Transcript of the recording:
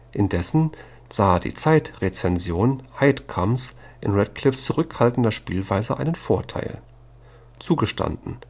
Indessen sah die Zeit-Rezension Heidkamps in Radcliffes zurückhaltender Spielweise einen Vorteil: „ Zugestanden